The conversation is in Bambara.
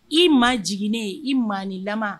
I ma jiginiginɛ i ma ni lamɔ